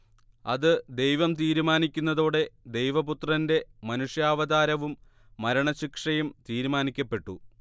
അത് ദൈവം തീരുമാനിക്കുന്നതോടെ ദൈവപുത്രന്റെ മനുഷ്യാവതാരവും മരണശിക്ഷയും തീരുമാനിക്കപ്പെട്ടു